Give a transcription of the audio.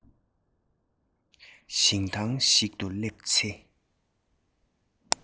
ཞིང ཐང གཞན ཞིག ཏུ སླེབས ཚེ